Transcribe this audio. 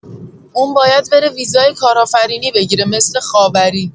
اون باید بره ویزای کارآفرینی بگیره مثل خاوری